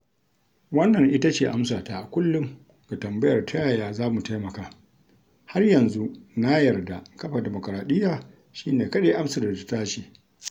Wannan ita ce amsata a kullum ga tambayar "ta yaya za mu taimaka?" Har yanzu na yarda [kafa dimukraɗiyya] shi ne kaɗai amsar da ta dace.